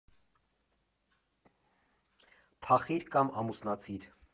Փախիր կամ ամուսնացիր։